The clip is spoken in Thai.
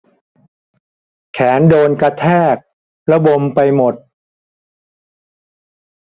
แขนโดนกระแทกระบมไปหมด